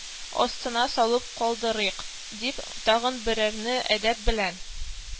Астына салып калдырыйк» дип, тагын берәрне әдәп белән